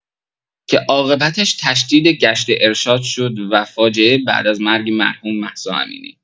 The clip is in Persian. که عاقبتش تشدید گشت ارشاد شد و فاجعه بعد از مرگ مرحوم مهسا امینی